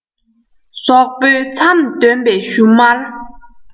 ཟོག པོའི མཚམ འདོན པའི བཞུ མར